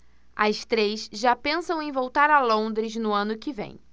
as três já pensam em voltar a londres no ano que vem